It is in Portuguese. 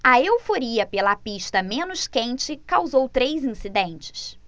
a euforia pela pista menos quente causou três incidentes